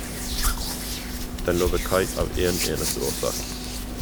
Den lå ved kai av en eneste årsak.